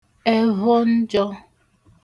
ẹvhọ njō